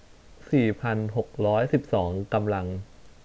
สี่พันหกร้อยสิบสองกำลัง